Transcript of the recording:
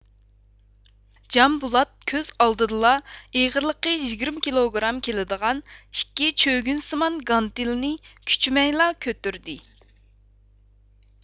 جامبۇلات كۆز ئالدىدىلا ئېغىرلىقى يىگىرمە كىلوگرام كېلىدىغان ئىككى چۆگۈنسىمان گانتېلنى كۈچىمەيلا كۆتۈردى